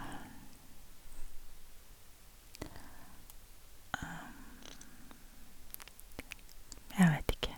Jeg vet ikke.